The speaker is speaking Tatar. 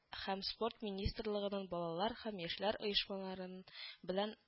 Һәм спорт минисртлыгының балалар һәм яшьләр оешмаларын белән